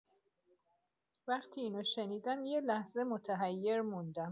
وقتی اینو شنیدم، یه لحظه متحیر موندم.